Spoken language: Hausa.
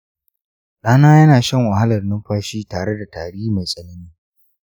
ɗana yana shan wahalar numfashi tare da tari mai tsanani